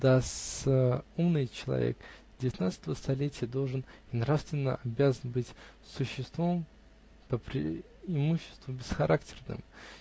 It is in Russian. Да-с, умный человек девятнадцатого столетия должен и нравственно обязан быть существом по преимуществу бесхарактерным